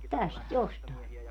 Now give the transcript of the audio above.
tästä jostain